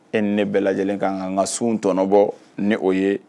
E ne bɛɛ lajɛlen ka kan n ka sun tɔnɔbɔ ni o ye